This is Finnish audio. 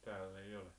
täällä ei ole